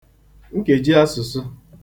nkèjiasụ̀sụ